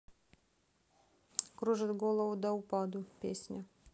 кружит голову до упаду песня